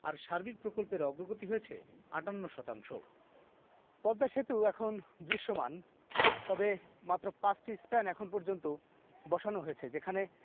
আর সার্বিক প্রকল্পের কাজ শেষ হয়েছে ৫৮ শতাংশ পদ্মা সেতু এখন দৃশ্যমান তবে মাত্র পাঁচটি স্প্যান এখন পর্যন্ত বসানো হয়েছে যেখানে